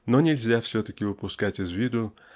Но нельзя все-таки упускать из виду